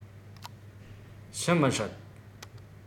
ཤི མི སྲིད